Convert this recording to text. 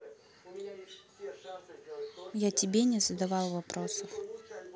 я тебе не задавал вопросов